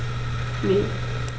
Ne.